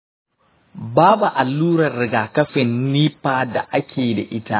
babu allurar rigakafin nipa da ake da ita.